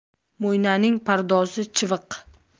mo'ynaning pardozi chiviq